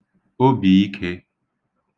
obìikē